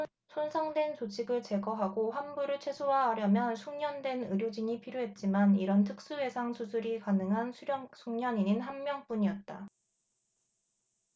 손상된 조직을 제거하고 환부를 최소화하려면 숙련된 의료진이 필요했지만 이런 특수외상 수술이 가능한 숙련의는 한 명뿐이었다